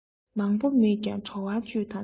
མང པོ མེད ཀྱང བྲོ བ བཅུད དང ལྡན